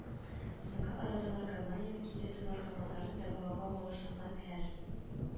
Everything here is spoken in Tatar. Соңгы арада наркоманияне кисәтү, наркоманнарны дәвалауга багышланган һәр